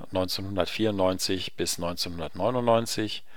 1994 bis 1999